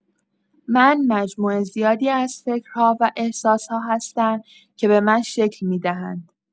من مجموعه زیادی از فکرها و احساس‌ها هستم که به من شکل می‌دهند.